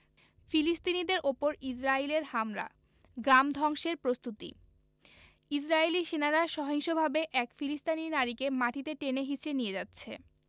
ফিলিস্তিনিদের ওপর ইসরাইলের হামলা গ্রাম ধ্বংসের প্রস্তুতি ইসরাইলী সেনারা সহিংসভাবে এক ফিলিস্তিনি নারীকে মাটিতে টেনে হেঁচড়ে নিয়ে যাচ্ছে